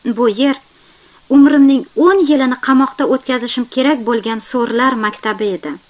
bu yer umrimning o'n yilini qamoqda o'tkazishim kerak bo'lgan so'rlar soeur maktabi edi